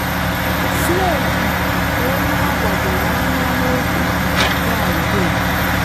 Flake bụ onye agbadoro anya n’okwu nke Fraịde.